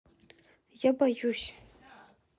я боюсь